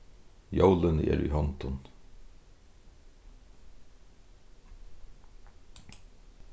jólini eru í hondum